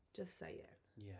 Just saying... Ie.